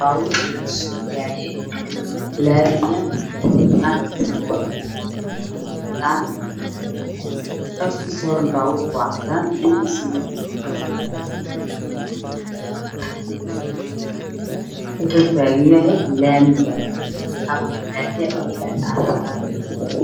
Waa baabuur shiidayay laamiga baabuurka afkiisa hore waa cadaan lugihiisa waa buluug waxuu taagan yahay laamiga.